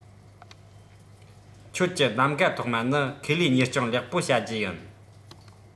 ཁྱོད ཀྱི གདམ ག ཐོག མ ནི ཁེ ལས གཉེར སྐྱོང ལེགས པོ བྱ རྒྱུ ཡིན